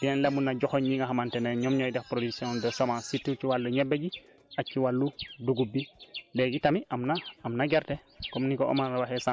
ku soxla jiw boo ñëwee Thiel rek dinañ la mën a joxoñ li nga xamante ne ñoom ñooy def production de semence surtout si wàllu ñebe bi ak ci wàllu dugub bi